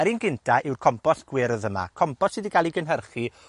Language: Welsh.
Yr un gynta yw'r compos gwyrdd yma, compos sy 'di ca'l 'i gynhyrchu